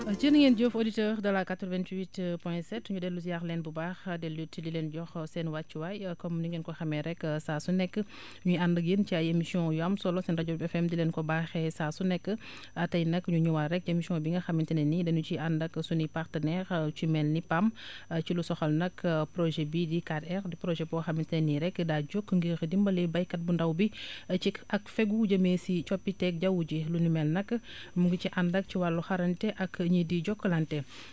jërë ngeen jëf auditeurs de la 88 point 7 ñu dellu ziyaar leen bu baax dellu it di leen jox seen wàccuwaay comme ni ngeen ko xamee rekk saa su nekk ñuy ànd ak yéen ci ay émissions yu am solo seen rajo RIP FM di leen ko baaxee saa su nekk tay nag ñu ñëwaat rekk émission bi nga xamante ne ni dañu siy ànd ak suñuy partenaires ci mel ni PAM ci lu soxal nag projet bii di 4R di projet boo xamante ne ni rekk daa jóg ngir dimbali baykat bu ndaw bi cig ag fagu jëmee si coppite jaww ji lu ni mel nag mu ngi ci ànd ak ci wàllu xarante ak ñii di Jokalante